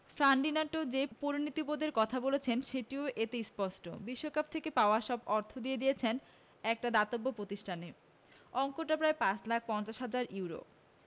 Ferdinand যে পরিণতিবোধের কথা বলেছেন সেটিও এতে স্পষ্ট বিশ্বকাপ থেকে পাওয়া সব অর্থ দিয়ে দিয়েছেন একটা দাতব্য প্রতিষ্ঠানে অঙ্কটা প্রায় ৫ লাখ ৫০ হাজার ইউরো